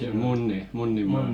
se - Munnimaa